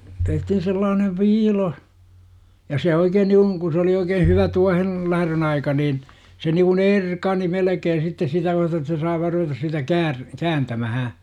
tehtiin sellainen viilo ja se oikein niin kuin kun se oli oikein hyvä tuohen lähdön aika niin se niin kuin erkani melkein sitten sitä myöten että sai vain ruveta sitä - kääntämään